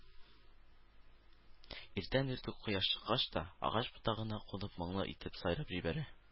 Иртән-иртүк, кояш чыккач та, агач ботагына кунып моңлы итеп сайрап җибәрә